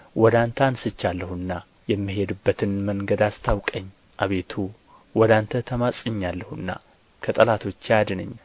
ወደ አንተ አንሥቻለሁና የምሄድበትን መንገድ አስታውቀኝ አቤቱ ወደ አንተ ተማፅኛለሁና ከጠላቶቼ አድነኝ